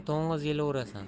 to'ng'iz yili o'rasan